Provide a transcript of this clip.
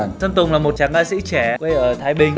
sơn tùng là một chàng ca sĩ trẻ quê ở thái bình